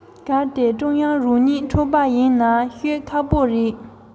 དེ ནི འགག རྩའི གནད དོན རེད